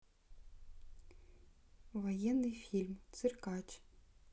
военный фильм циркач